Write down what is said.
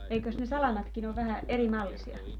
eikös ne salamatkin ole vähän eri mallisia